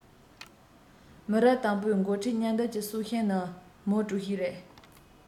མི རབས དང པོའི འགོ ཁྲིད མཉམ སྡེབ ཀྱི སྲོག ཤིང ནི མའོ ཀྲུའུ ཞི རེད